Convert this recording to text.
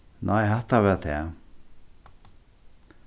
nei hatta var tað